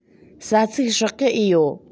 ས ཚིག སྲེག གི ཨེ ཡོད